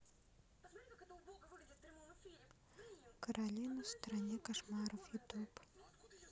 коралина в стране кошмаров ютуб